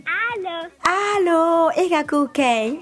A balo e ka ko kɛ